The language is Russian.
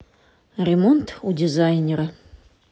ремонт у дизайнера